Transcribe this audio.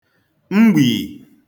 mgbìì